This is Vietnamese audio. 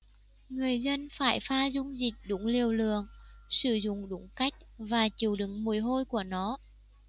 người dân phải pha dung dịch đúng liều lượng sử dụng đúng cách và chịu đựng mùi hôi của nó